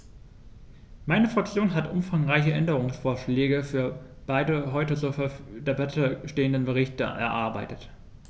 Meine Fraktion hat umfangreiche Änderungsvorschläge für beide heute zur Debatte stehenden Berichte erarbeitet.